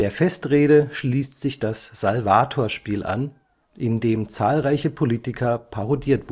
Festrede schließt sich das Salvatorspiel an, in dem zahlreiche Politiker parodiert